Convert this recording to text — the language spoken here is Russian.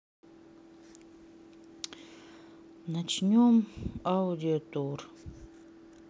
начнем аудио тур